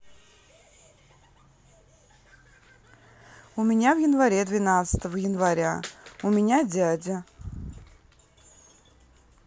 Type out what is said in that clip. у меня в январе двенадцатого января у меня дядя